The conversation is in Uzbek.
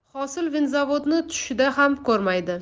hosil vinzavodni tushida ham ko'rmaydi